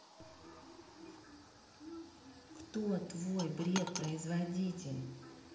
кто твой бред производитель